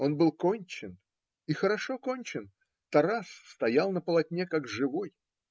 он был кончен, и хорошо кончен: Тарас стоял на полотне, как живой.